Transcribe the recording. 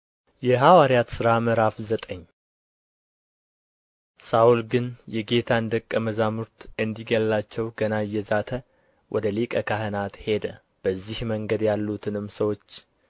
የሐዋርያት ሥራ ምዕራፍ ዘጠኝ ሳውል ግን የጌታን ደቀ መዛሙርት እንዲገድላቸው ገና እየዛተ ወደ ሊቀ ካህናት ሄደ በዚህ መንገድ ያሉትንም ሰዎች